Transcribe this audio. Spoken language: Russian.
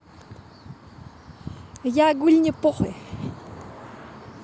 я гуль не похуй